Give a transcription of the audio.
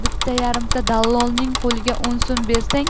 bitta yarimta dallolning qo'liga o'n so'm bersang